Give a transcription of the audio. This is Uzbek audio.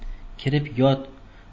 kirib yot